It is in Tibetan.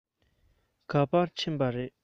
ག པར ཕྱིན པ རེད